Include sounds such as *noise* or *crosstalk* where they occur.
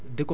*hesitation* *hesitation*